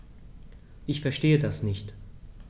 Ich verstehe das nicht.